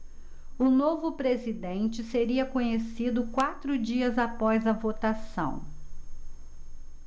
o novo presidente seria conhecido quatro dias após a votação